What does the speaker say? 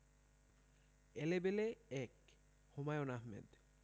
Elebele ১ Humayun Ahmed